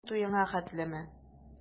Синең туеңа хәтлеме?